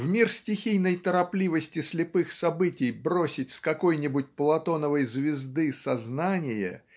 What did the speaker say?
в мир стихийной торопливости слепых событий бросить с какой-нибудь Платоновой звезды сознание